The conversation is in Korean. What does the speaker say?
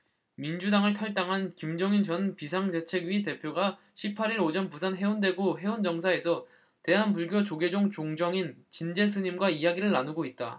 민주당을 탈당한 김종인 전 비상대책위 대표가 십 팔 일 오전 부산 해운대구 해운정사에서 대한불교조계종 종정인 진제 스님과 이야기를 나누고 있다